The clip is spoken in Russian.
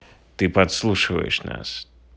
ты подслушиваешь нас